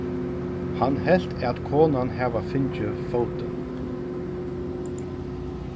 hann helt at konan hava fingið fótin